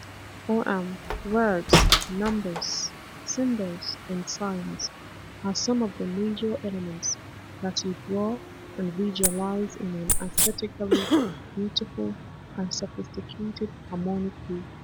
OM: Words, numbers, symbols and signs are some of the major elements that you draw and visualize in an aesthetically beautiful and sophisticated harmonic way.